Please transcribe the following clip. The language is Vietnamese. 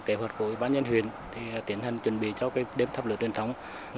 kế hoạch của ủy ban nhân huyện thì tiến hành chuẩn bị cho đêm thắp lửa truyền thống